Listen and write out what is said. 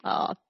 O.